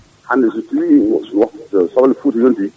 hande so tawi waftu soble Fouta yonti